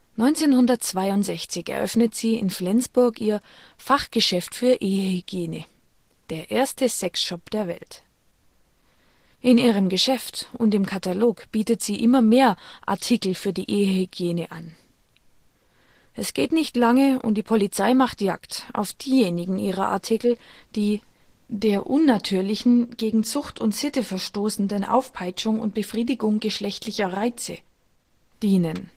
1962 eröffnet sie in Flensburg ihr " Fachgeschäft für Ehehygiene "- der erste Sex-Shop der Welt. In ihrem Geschäft und im Katalog bietet sie immer mehr " Artikel für die Ehehygiene " an. Es geht nicht lange und die Polizei macht Jagd auf diejenigen ihrer Artikel, die " der unnatürlichen, gegen Zucht und Sitte verstoßenden Aufpeitschung und Befriedigung geschlechtlicher Reize " dienen